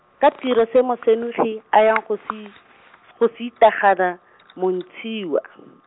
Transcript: ka tiro se Mosenogi, a yang go se i-, go se itagana, Montshiwa.